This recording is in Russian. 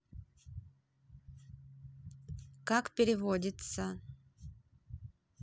как переводиться